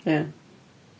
Ia.